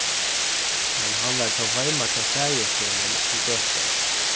men hann var tó heima hjá faðir sínum í gøtu